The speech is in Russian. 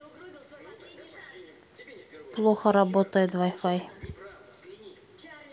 плохо работает wi fi